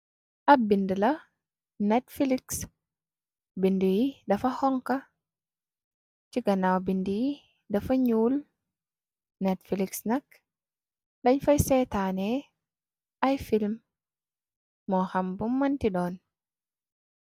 Ab bind la netfelix bind yi dafa honka ci ganaaw bind yi dafa ñuwul. Netfelix nak dañ fay seetaanee ay film. Moo xam bu mënti doon.